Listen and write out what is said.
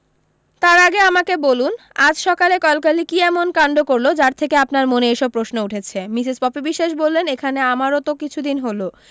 তার আগে আমাকে বলুন আজ সকালে কলকালি কী এমন কাণড করলো যার থেকে আপনার মনে এইসব প্রশ্ন উঠেছে মিসেস পপি বিশ্বাস বললেন এখানে আমারও তো কিছুদিন হলো